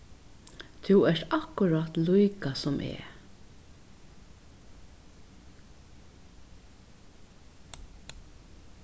tú ert akkurát líka sum eg